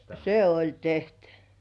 se oli tehty